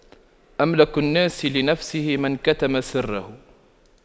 أملك الناس لنفسه من كتم سره